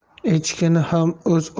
echkini ham o'z